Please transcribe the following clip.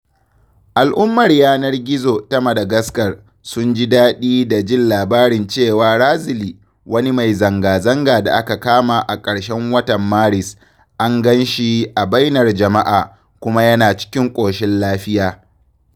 Al’ummar yanar gizo ta Madagascar sun ji daɗi da jin labarin cewa Razily, wani mai zanga-zanga da aka kama a ƙarshen watan Maris, an ganshi a bainar jama’a (fr) kuma yana cikin ƙoshin lafiya.